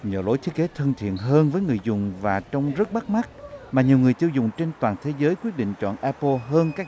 nhờ lối thiết kế thân thiện hơn với người dùng và trông rất bắt mắt mà nhiều người tiêu dùng trên toàn thế giới quyết định chọn áp pồ hơn các